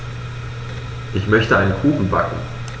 Ich möchte einen Kuchen backen.